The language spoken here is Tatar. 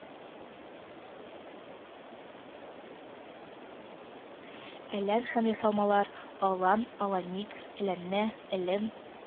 Алән һәм ясалмалар: Алан, Аланик, Эләнне, Элен,